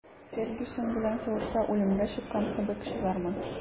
«фергюсон белән сугышка үлемгә чыккан кебек чыгармын»